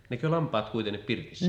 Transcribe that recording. nekö lampaat kuitenkin pirtissä